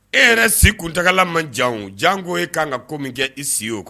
E yɛrɛ si kuntala man jan jan k ko e kan ka ko min kɛ i si oo